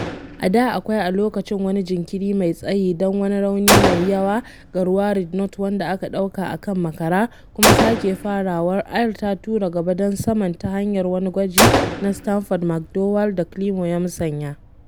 A da akwai a lokacin wani jinkiri mai tsayi don wani rauni mai yawa ga Ruaridh Knott, wanda aka ɗauka a kan makara, kuma sake farawar, Ayr ta tura gaba dan saman ta hanyar wani gwaji na Stafford McDowall, da Climo ya musanya.